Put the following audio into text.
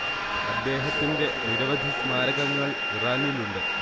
അദ്ദേഹത്തിന്റെ നിരവധി സ്മാരകങ്ങൾ ഇറാനിലുണ്ട്